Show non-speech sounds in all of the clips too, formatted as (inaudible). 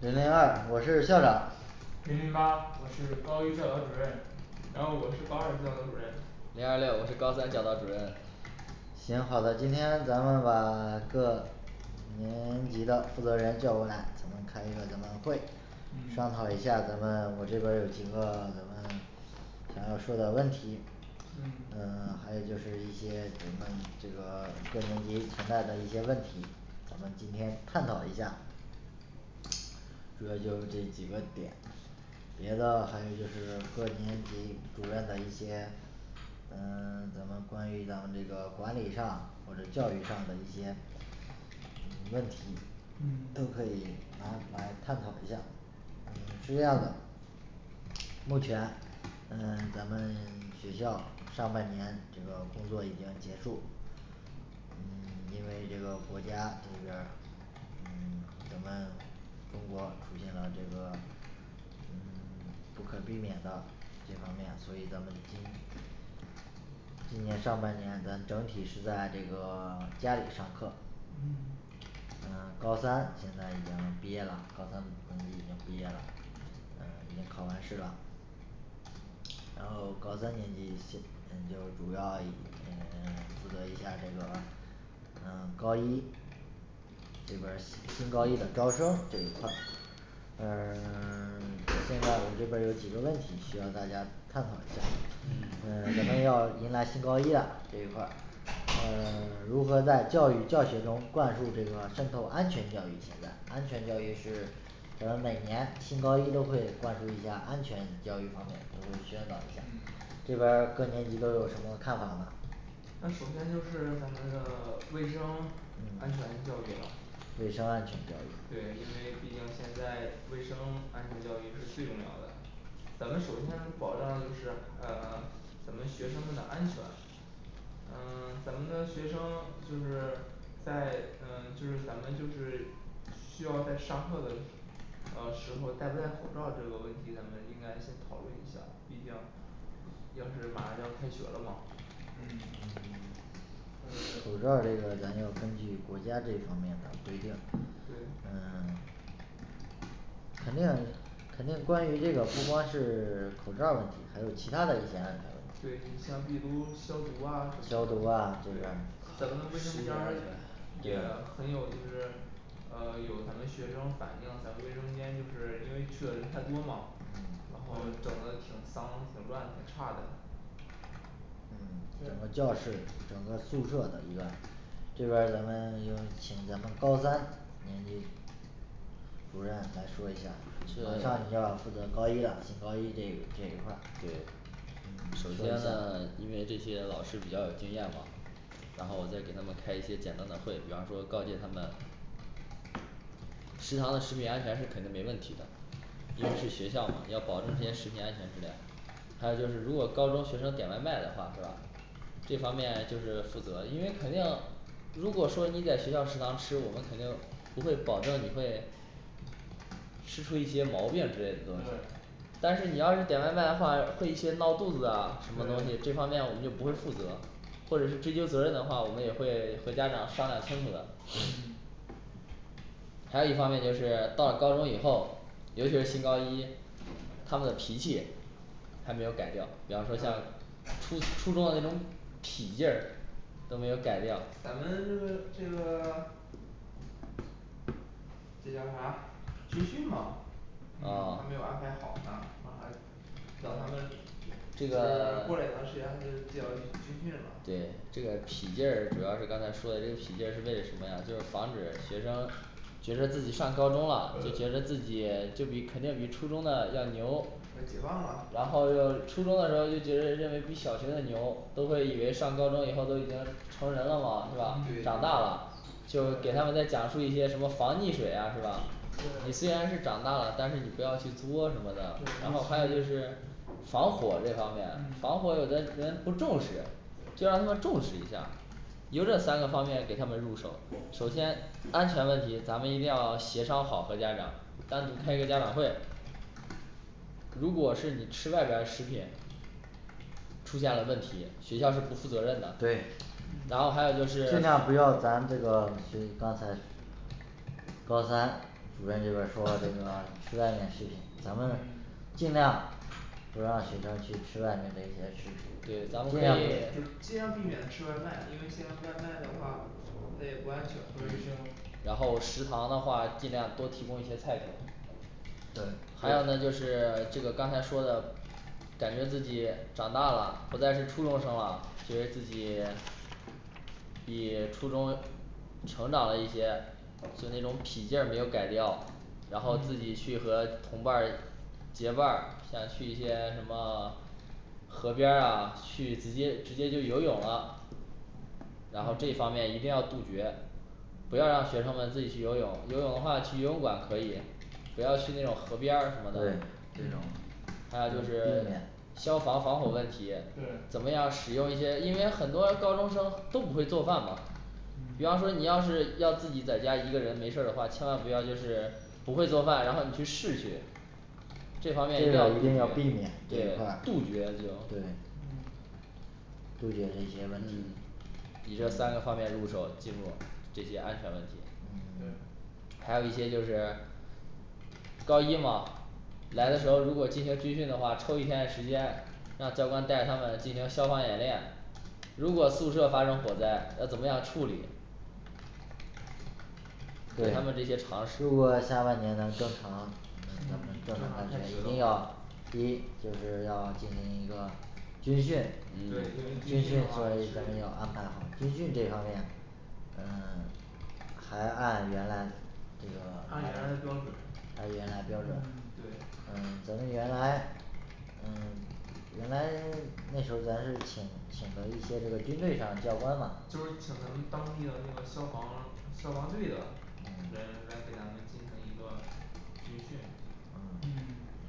零零二我是校长零零八我是高一教导主任然后我是高二教导主任零二六我是高三教导主任行好的今天咱们把 (silence) 各年级的负责人叫过来咱们开一个研讨会商嗯讨一下咱们我这边儿有几个咱们想要说的问题嗯嗯 (silence) 还有就是一些我们这个各年级存在的一些问题咱们今天探讨一下主要就是这几个点别的还有就是各级年级主任的一些嗯 (silence) 咱们关于咱们这个管理上或者教育上的一些嗯 (silence) 问题都嗯可以拿来探讨一下嗯是这样的目前嗯咱们 (silence) 学校上半年这个工作已经结束嗯因为这个国家这个嗯 (silence) 咱们中国出现了这个嗯 (silence) 不可避免的这方面所以咱们今今年上半年咱整体是在这个 (silence) 家里上课嗯嗯高三现在已经毕业啦高三同学都已经毕业啦嗯也考完试了然后高三年级现就主要以嗯 (silence) 负责一下这个嗯 (silence) 高一这边儿新高一的招生这一块儿嗯 (silence) 现在我这边儿有几个问题需要大家探讨一下嗯嗯现在要迎来新高一啦这一块儿嗯如何在教育教学中灌输这个渗透安全教育存在安全教育是咱们每年新高一都会灌输一下安全教育方面都会宣导一下这嗯边儿各年级都有什么看法吗那首先就是咱们的卫生安全教育了卫生安全教育对因为毕竟现在卫生安全教育是最重要的咱们首先能保障就是呃 (silence) 咱们学生们的安全嗯 (silence) 咱们的学生就是在嗯就是咱们就是需要在上课的时 (unintelligible) 嗯时候带不带口罩儿这个问题咱们应该先讨论一下毕竟就是马上就要开学了嘛嗯嗯 (silence) 对对口罩儿这个咱要根据国家这方面的规定对嗯 (silence) 肯定肯定关于这个不光是 (silence) 口罩儿问题还有其他的一些安全对问你像比题如消消毒毒啊啊这对边咱们卫食生间品安儿全儿，也对很有就是呃有咱们学生反映咱们卫生间就是因为去的人太多嘛然后整的挺脏挺乱挺差的嗯整个教对室整个宿舍的一个这边儿咱们 (silence) 有请咱们高三年级主任来说一下马上你就要负责高一啦新高一这这一块儿对首先呢因为这些老师比较有经验嘛然后我再给他们开一些简单的会比方说告诫他们食堂的食品安全是肯定是没问题的毕竟是学校要保证这些食品安嗯全质量还有就是如果高中学生点外卖的话是吧这方面就是负责因为肯定如果说你在学校食堂吃我们肯定不会保证你会吃出一些毛病之类的东西对但是你要是点外卖的话会一些闹肚子啊什么东西对这方面我们就不会负责或者是追究责任的话我们也会和家长商量清楚的嗯还有一方面就是到了高中以后尤其是新高一他们的脾气还没有改掉比方说像初初中的那种痞劲儿都没有改掉咱们这个这个这叫啥军训嘛还哦没有安排好呢马上让他们这就是个过来 (silence) 量血压就就要军训了对这个痞劲儿主要是刚才说的这个痞劲儿是为了什么呀就是防止学生觉着自己上高中了就觉着自己就比肯定比初中的要要牛解放啦然后又初中的时候又觉着认为比小学的牛都会以为上高中以后都已经成人了嘛是吧长大了嗯就给他们在讲述一些什么防溺水啊是吧你虽然对是长大了但是你不要去作是不是然后还有就是防火这方面防嗯火有的人不重视就让他们对重视一下由这三个方面给他们入手首先嗯安全问题咱们一定要协商好和家长单独开一个家长会如果是你吃外边儿食品出现了问题学校是不负责任的对然后还有就嗯是尽量不要咱们这 (silence) 个谁刚才高三主任这边儿说这个吃外面食品咱们尽量不让学生去吃外面这些食对品就是咱们可以尽量避免吃外卖因为现在外卖的话它也不不安全卫生然后食堂的话尽量多提供一些菜品对还有呢就是这个刚才说的感觉自己长大啦不再是初中生啦觉得自己比初中成长了一些就那种痞劲儿没有改掉然后自己嗯去和同伴儿结伴儿像去一些什么河边儿啊去直接直接就游泳啊然后这方面一定要嗯杜绝不要让学生们自己去游泳游泳的话去游泳馆可以不要去那种河对这种避边儿什么的那种还有就是免消防防火问题怎么对样使用一些因为很多高中生都不会做饭嘛比方嗯说你要是要自己在家一个人没事儿的话千万不要就是不会做饭然后你去试去这这方个面一一定定要要避避免免这对块儿对杜绝这种嗯杜绝这些问嗯题以这三个方面入手记住这些安全问题对嗯还有一些就是高一嘛来的时候儿如果嗯进行军训的话抽一天的时间让教官带着他们进行消防演练如果宿舍发生火灾要怎么样处理给对他们这些常识如果下半年能正常嗯正常开学一定的话要第一就是要进行一个对军训对嗯军军训训的的话话咱们要安排好军其实训这方面嗯 (silence) 还按原来这个按按原原来来标标准准嗯对嗯咱们原来嗯 (silence) 原来 (silence) 那时候儿咱是请请了一些这个军队上教官嘛就是请咱们当地的那个消防消防队的人来给咱们进行一个军训嗯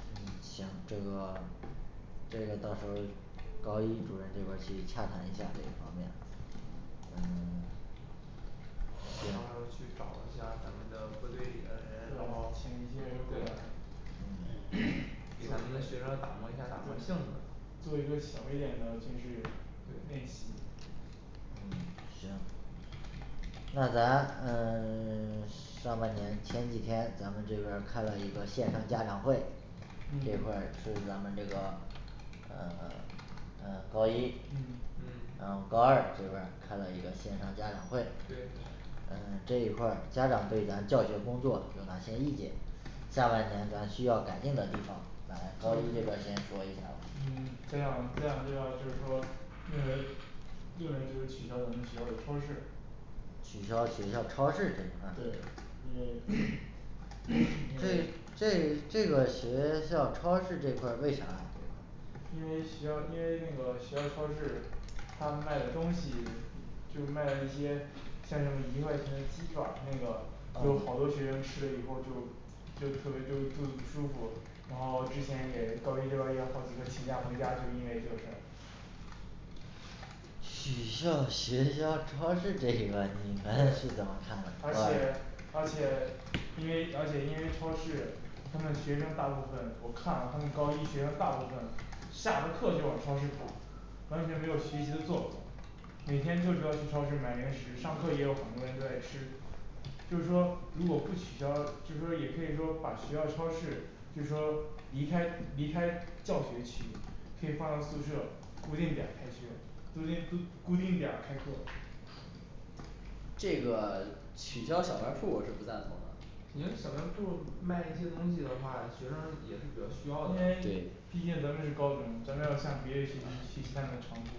对行这个 (silence) 这个到时候儿高一主任这边儿去洽谈一下这方面嗯 (silence) 你到时候儿去找一下儿咱们的部队里对的人然后请一些人过对来 (hesitation) 给咱们的学生打磨一下打磨性子做一个小一点的军事 (silence) 练习嗯行那咱嗯 (silence) 上半年前几天咱们这边儿开了一个线上家长会这块儿嗯是咱们这个嗯 (silence) 嗯高一嗯嗯然后高二这边儿开了一个线上家长会对嗯这一块儿家长对咱教学工作有哪些意见下半年咱需要改进的地方来高一这边儿先说一下吧嗯 (silence) 家长家长这边儿就是说认为认为就是取消咱们学校的超市取消学校超市这一块对因为儿 (hesitation) 因为这这这个学校超市这块儿为啥这一块儿因为学校因为那个学校超市他卖的东西就卖了一些像那种一块钱的鸡爪儿那个有好多学生吃了以后就就特别就肚子不舒服然后之前也高一这边儿也有好几个请假回家就因为这个事儿取消学校超市这个对你们是怎么看的 (noise) 而且而且因为而且因为超市他们学生大部分我看了他们高一学生大部分下了课就往超市跑完全没有学习的作风每天就知道去超市买零食上课也有很多人都在吃就说如果不取消就说也可以说把学校超市就说离开离开教学区可以放到宿舍固定点儿开学固定 (unintelligible) 固固定点儿开课这个取消小卖铺儿我是不赞同的肯定小卖部儿卖一些东西的话学生也是比较需要的因为对毕竟咱们是高中咱们要向别人学习学习他们的长处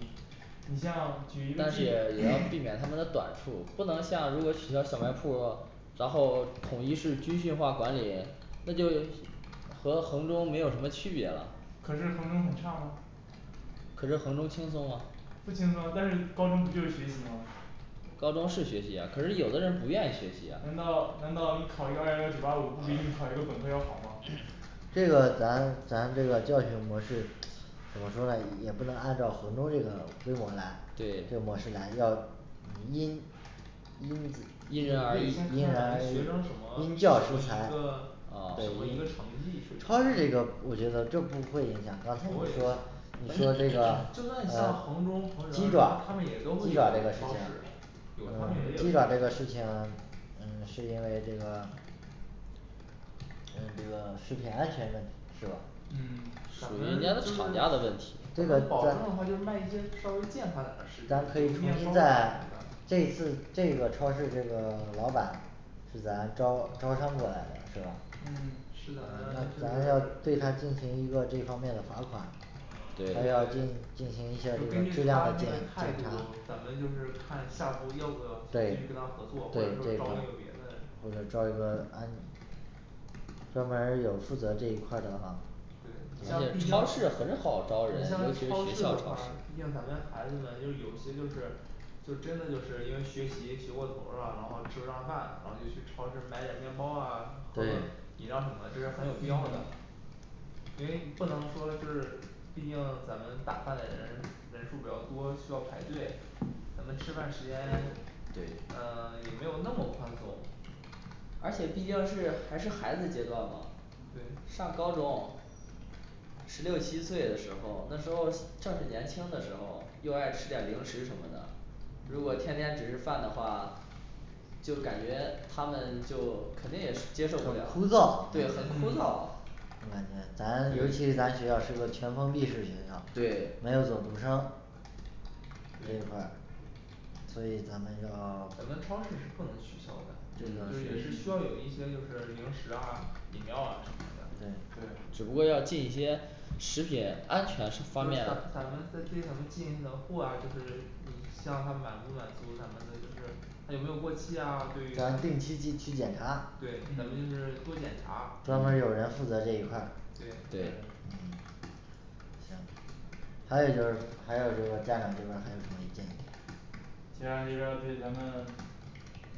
你像举一个例而子且也要避免他们 (crosstalk) 的短处不能像如果取消小卖铺儿然后统一式军训化管理那就和衡中没有什么区别了可是衡中很差吗可是衡中轻松吗不轻松啊但是高中不就是学习吗高中是学习呀可是有的人不愿意学习呀难道难道你考一个二幺幺九八五不比你考一个本科儿要好吗这个咱咱这个教学模式怎么说呢也也不能按照衡中这个规模来这个模对式来要因因不对先看咱们学生什么什么一个 (silence) 因因人人而而异异因教施材，什么一个成绩，水对超市这个平，我觉得这不不会会影影响响刚才你说你说这个就算像衡中衡呃水二鸡中爪他儿们也都会有鸡爪儿这个事超情市有他们也鸡爪这个事情有 (silence) 嗯是因为这个嗯这个食品安全问题是吧嗯咱咱们们人咱家就是厂家的问题咱们保证的话就卖一些稍微健康点儿的咱可食品比以如面重包啊什新么再的这次这个超市这个 (silence) 老板是咱招招商过来的是吧嗯是咱们咱就要是对他对进行一个这方面的罚款还要进进对行一下儿就这根个据质量他那的检个检态度查咱们就是看下一步要不要继对续跟他合作或者说招一对就个别的说招一个安专门儿有负责这一块儿的啊对你像毕而竟你且像超超市市的话毕很好招人尤其是学校超市竟咱们孩子们就是有些就是就真的就是因为学习学过头儿了然后吃不上饭然后就去超市买点儿面包啊喝个对饮料儿什么的这是很有必要的嗯因为不能说就是毕竟咱们打饭的人人数儿比较多需要排队咱们吃饭时间 (silence) 对嗯也没有那么宽松而且毕竟是还是孩子阶段嘛对上高中十六七岁的时候那时候正是年轻的时候又爱吃点儿零食什么的如果天天只是饭的话就感觉他们就肯定也是接受不很了枯燥对很枯燥嗯咱尤其是咱学对校是个全封闭式学校没有对走读生所以咱们要 (silence) 咱们超市是不能取消的嗯就也是需要有一些就是零食啊饮料啊什么的对只对不过要进一些食品安全就咱咱们方面对咱们经营的货啊就是你像他满不满足咱们的就是它有没有过期呀对于对对咱咱们们定期去去检查就是嗯多检查对专门有人负责这一块儿对行还有就是还有就是说家长这边儿还有什么意见家长这边儿对咱们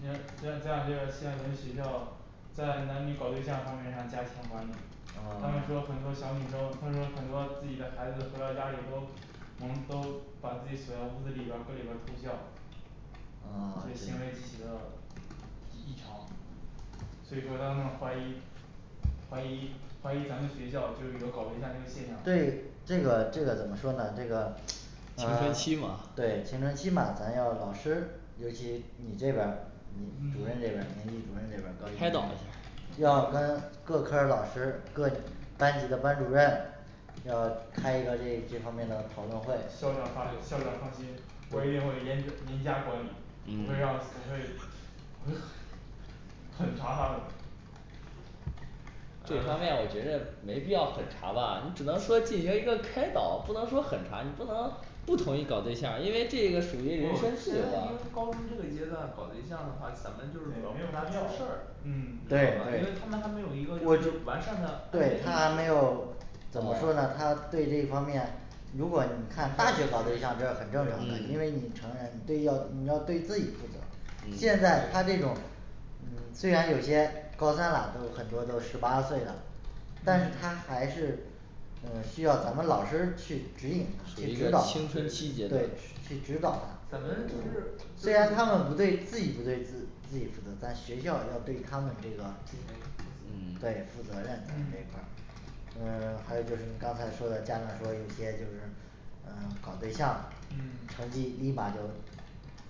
你家长家长这边儿希望咱们学校在男女搞对象方面上加强管理他啊们说很多 (silence) 小女生他说很多自己的孩子回到家里都蒙都把自己锁在屋子里边儿搁里边儿偷笑所以哦行为及其的异常所以说他们怀疑怀疑怀疑咱们学校就是有搞对象这个现象对这个这个怎么说呢这个青春期嗯嘛 (silence) 对青春期嘛咱要老师尤其你这边儿你主任这边儿年级主任这边儿高开导一一下儿要跟各科儿老师各班级的班主任要开一个这这方面的讨论会校长放校长放心我一定会严之严加管理我会让我嗯会我会狠 (unintelligible) 狠查他们 (noise) 这方面我觉嗯着没必要狠查吧你只能说进行一个开导不能说狠查你不能不同意搞对象儿因为这目前现在因为个属于人生计划高中这个阶段搞对象对儿的话咱们就是主没有要怕啥他必要出事儿对对你嗯知道吧因为他们还没有一个我就就是完善的对他还安全没意有识怎么说呢哦他对这方面如果你看大学搞对象这很正常的因为嗯你成人对要要对自己负责现嗯在他这种嗯虽然有些高三了都很多都十八岁了但是他嗯还是嗯需要咱们老师去指引他属于去一个指导他青对春期阶段去指导他咱们就虽是然他们不对自己不对自自己负责但学校要对他们这进个行对负负嗯责责任咱们嗯这一块儿嗯 (silence) 还有就是你刚才说的家长说有些就是嗯搞对象嗯成绩立马就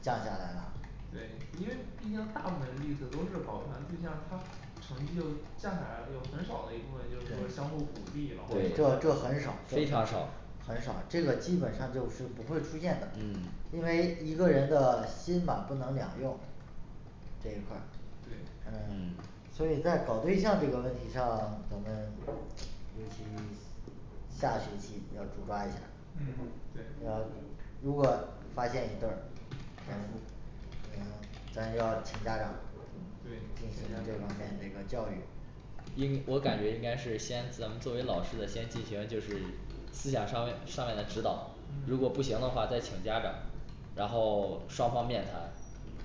降下来啦对因为毕竟大部分例子都是搞完对象他成绩又降下来了有很少的一部分就是说相互鼓励然后对这这很少非常少很少这个基本上就就不会出现的嗯因为一个人的心吧不能两用这一块儿对嗯嗯所以在搞对象这个问题上咱们尤其下学期要主抓一下嗯要对如果发现一对儿开除还有咱要请家长对请家这方面这长个教育应我感觉应该是先咱们作为老师的先进行就是思想上上面的指导如果嗯不行的话再请家长然后双方面谈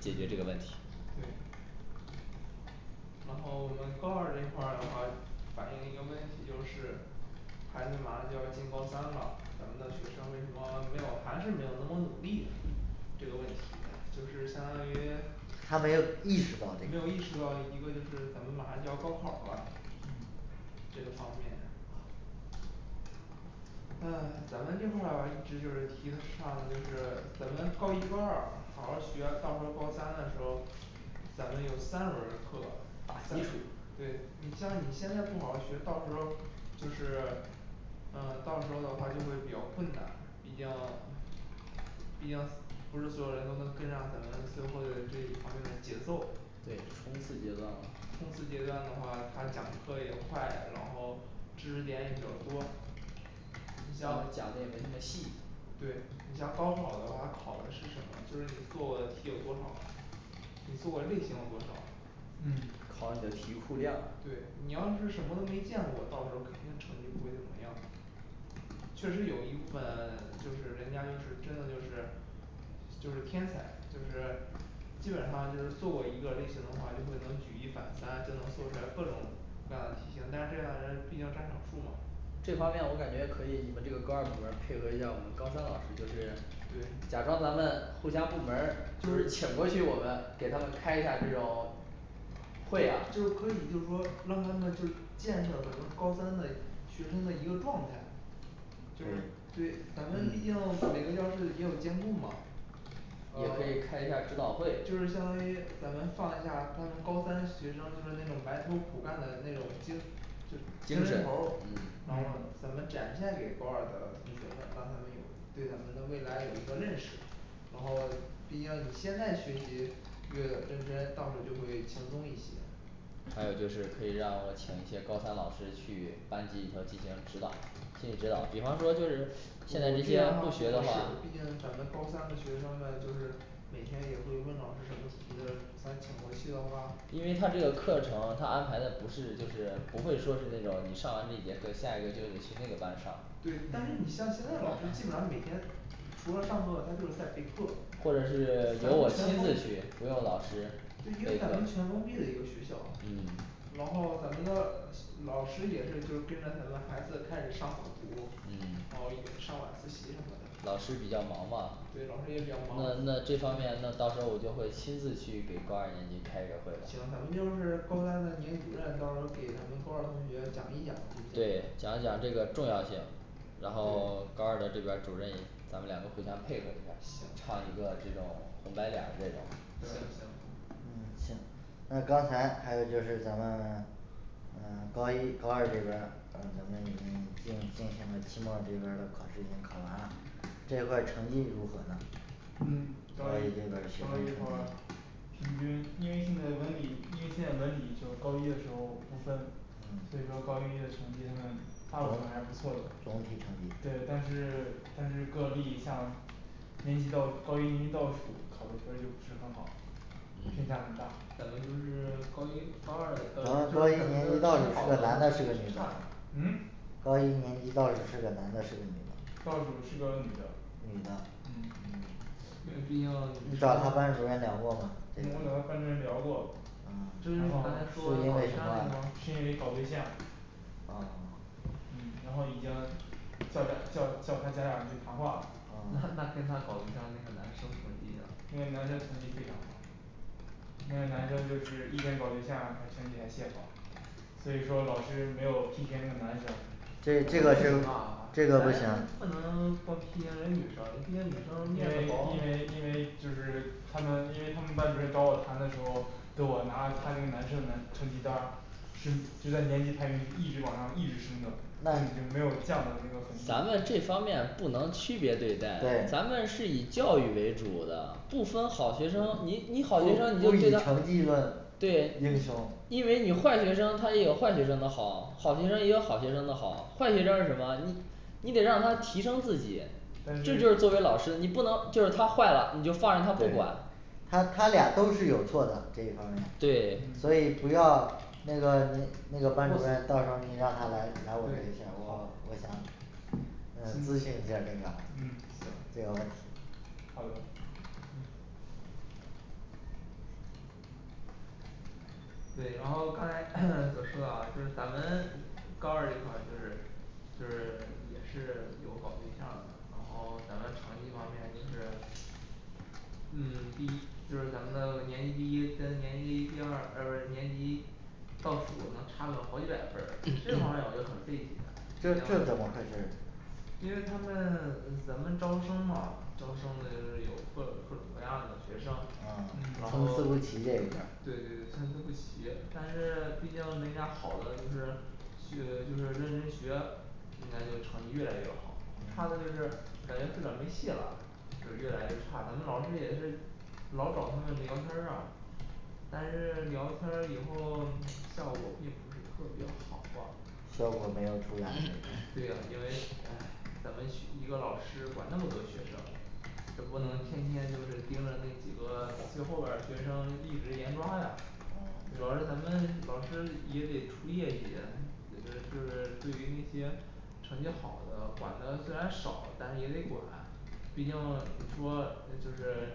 解决这个问题对然后我们高二这一块儿的话反映一个问题就是孩子马上就要进高三了咱们的学生为什么没有还是没有那么努力呢这个问题就是相当于他没没有有意意识识到到这个一个就是咱们马上就要高考儿了嗯这个方面嗯咱们这块儿一直就是提倡就是咱们高一高二好好儿学到时候高三的时候咱们有三轮儿课打基础对你像你现在不好好儿学到时候就是嗯到时候的话就会比较困难毕竟毕竟不是所有人都能跟上咱们最后的这一方面的节奏对冲冲次刺阶段阶段的话他讲课也快然后知识点也比较多你最主要像讲的也没那么细对你像高考儿的话它考的是什么就是你做的题有多少你做过类型有多少嗯考你的题库量对你要是什么都没见过到时候儿肯定成绩不会怎么样确实有一部分 (silence) 就是人家就是真的就是就是天才就是基本上就是做过一个类型的话就会能举一反三就能做出来各种各样的题型但这样的人毕竟占少数嘛这方面我感觉可以你们这个高二部门儿配合一下我们高三老师就是对假装咱们互教部门儿就是请过去我们给他们开一下儿这种就可会啊以就是说让他们就见识到咱们高三的学生的一个状态就是对咱们毕竟嗯每个教室也有监控嘛也可以开一下儿指导会就是相当于咱们放一下高三学生就是那种埋头苦干的那种精就精精神神头嗯然后咱们嗯展现给高二的同学们让他们有对咱们的未来有一个认识然后毕竟现在学习越认真到时候就会轻松一些还有就是可以让我请一些高三老师去班级里头进行指导心理指导比方说就是现在你既然不学的话毕竟咱们高三的学生们就是每天也会问老师什么题的咱请过去的话，因为他这个课程他安排的不是就是不会说是那种你上完这节课下一个就得去那个班上对但是你像现在老师基本上每天除了上课他就是在备课对或因者是 (silence) 由我亲自去不用老师为可以咱吗们全封闭的一个学校嗯然后咱们的老师也是就跟着咱们孩子开始上早读嗯然后也上晚自习什么的，对老老师师也比比较较忙忙，行嘛咱那们那就这是方面那到时候我就会亲自去给高二年级开一个会了，高三的年级主任到时候儿给咱们高二同学讲一讲这对些讲一讲这个重要性然后 (silence) 对高二的这边儿主任也 (unintelligible) 咱们两个互相配合一下儿行唱一个这种红白脸儿的这种行行嗯行那刚才还有就是咱们 (silence) 嗯高一高二这边儿进进行了期末这边儿考试已经考完了这块儿成绩如何呢嗯高一高一的话平均因为现在文理因为现在文理就高一的时候不分所以说高一的成绩他们大部分还是不错的高一成对绩但是 (silence) 但是个例像年级倒高一年级倒数考的分儿就不是很好偏差很大咱们就是高一高二的就是咱们的成绩好的成绩差的嗯高一年级倒数是个男的是个女的倒数是个女的女的嗯嗯因为毕竟女你生嗯我找找她她班班主主任任聊聊过过吗这就是啊你刚才说她搞对象儿那个是吗因为搞对象哦 (silence) 嗯然后已经叫家叫叫他家长去谈话儿了那 (noise) 那跟她搞哦对象儿的那个男生成绩那个男呢生成绩非常好那个男生就是一边搞对象还成绩还邪好所以说老师没有批评那个男生因为这因这个是咱这个不行不能光批评人女生毕竟女生面为因子薄为就是他们因为他们班主任找我谈的时候儿给我拿了他那个男生男成绩单儿是就在年级排名是一直往上一直升的已经没有那降的这咱个们痕迹这方面不能区别对待咱们对是以教育为主的不分好学生你你好学生你不就不你非以常成绩论对英雄因为你坏学生他也有坏学生的好好学生也有好学生的好坏学生是什么你你得让他提升自己这就是作为老师但是你不能就是他坏了你就放任他不对管他他俩都是有错的这一方面对所以嗯不要那个你那个班主任到时候儿你让他来来我这儿一对下儿我好我想嗯咨询一下儿这个嗯这行个问题好的嗯对然后刚才 (hesitation) 所说的啊就是咱们 (silence) 高二这块儿就是就是 (silence) 也是有搞对象的然后咱们成绩方面就是嗯 (silence) 第一就是咱们的年级第一跟年级第二嗯不是年级倒数能差个好几百分儿这个方面我就很费解毕这这怎么竟回事儿因为他们嗯咱们招生嘛招生的就是有各各种各样的学生嗯然参后差对不齐这对一块儿对参差不齐但是毕竟人家好的就是就就是认真学人家就成绩越来越好差的就是感觉自个儿没戏了就是越来越差咱们老师也是老找他们聊天儿啊但是 (silence) 聊天儿以后 (silence) 效果并不是特别好啊效果没有出来对呀因为唉咱们学一个老师管那么多学生这不能天天就是盯着那几个最后边儿学生一直严抓呀主要是哦咱们老师也得出业绩呀就是对于那些成绩好的管的虽然少但是也得管毕竟 (silence) 你说嗯就是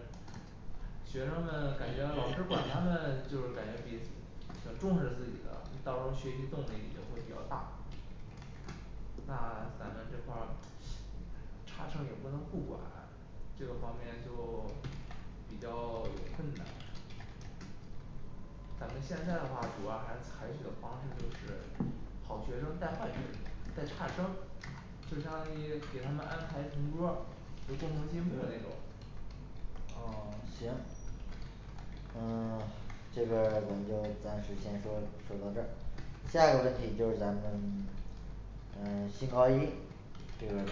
学生们感觉老师管他们就是感觉比挺重视自己的到时候学习动力也会比较大那咱们这块儿差生也不能不管这个方面就 (silence) 比较 (silence) 有困难咱们现在的话主要还是采取的方式就是好学生带坏学带差生就相当于给他们安排同桌儿就共同进步那种。对哦 (silence) 行嗯 (silence) 这个咱们就暂时先说说到这儿下一个问题就是咱们 (silence) 嗯 (silence) 新高一这个问题